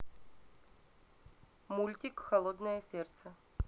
мультик холодное сердце